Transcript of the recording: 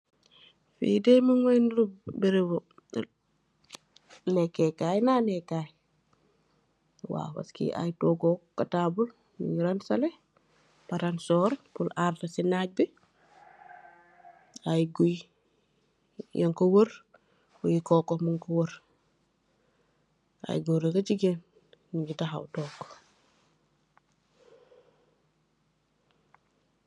Behrehmu lehkeh kai ak naneh kai yuu am ayyi togu ak tabul, ak garaap yuu ko woorr.